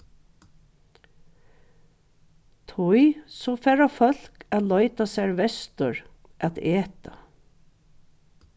tí so fara fólk at leita sær vestur at eta